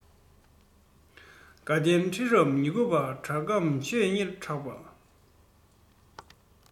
དགའ ལྡན ཁྲི རབས ཉེར དགུ པ གྲགས པའམ ཆོས གཉེར གྲགས པ